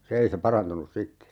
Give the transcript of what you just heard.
se ei se parantunut sitten